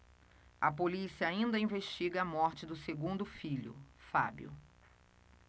a polícia ainda investiga a morte do segundo filho fábio